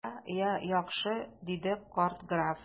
Я, я, яхшы! - диде карт граф.